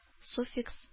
Суффикс